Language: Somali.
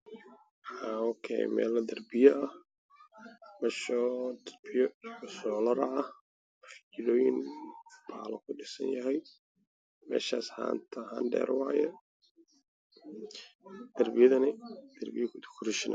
Waa guri waxaa ka koreeyo ahaan lagu shufto biyaha sool ayaa muuqdo oo koronto dhalinayo